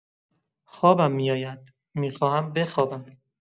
خوابم می‌آید، می‌خواهم بخوابم.